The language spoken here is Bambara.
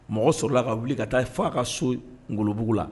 Mɔgɔ sɔrɔlala ka wuli ka taa fa ka so ngololɔbugu la